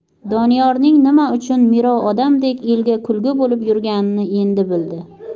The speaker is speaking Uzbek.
doniyorning nima uchun merov odamday elga kulgi bo'lib yurganini endi bildi